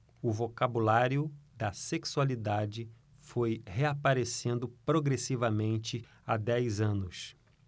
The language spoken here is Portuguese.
o vocabulário da sexualidade foi reaparecendo progressivamente há dez anos